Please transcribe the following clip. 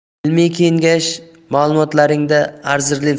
ilmiy kengash malumotlaringda arzirli